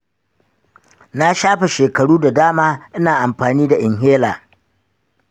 na shafe shekaru da dama ina amfani da inhaler.